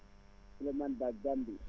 Souleymane Ba Gambie